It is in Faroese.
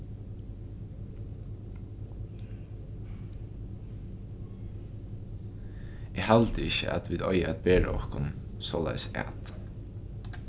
eg haldi ikki at vit eiga at bera okkum soleiðis at